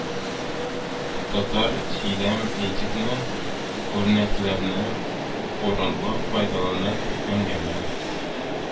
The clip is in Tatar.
Татар сөйлəм этикны үрнəклəреннəн урынлы файдаланып əңгəмə